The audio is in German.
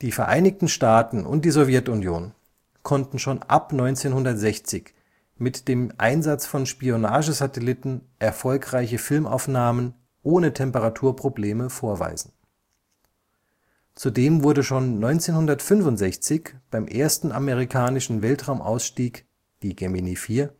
Vereinigten Staaten und die Sowjetunion konnten schon ab 1960 mit dem Einsatz von Spionagesatelliten erfolgreiche Filmaufnahmen – ohne Temperaturprobleme – vorweisen. Zudem wurde schon 1965 beim ersten amerikanischen Weltraumausstieg (Gemini 4